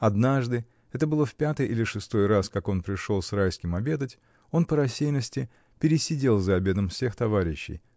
Однажды — это было в пятый или шестой раз, как он пришел с Райским обедать, — он, по рассеянности, пересидел за обедом всех товарищей